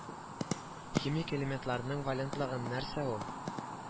Химик элементларның валентлыгы нәрсә ул